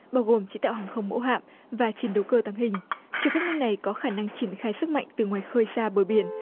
bao gồm chế tạo hàng không mẫu hạm và chiến đấu cơ tàng hình cho phép nước này có khả năng triển khai sức mạnh từ ngoài khơi xa bờ biển